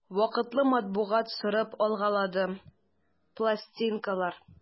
Вакытлы матбугат соратып алгаладым, пластинкалар...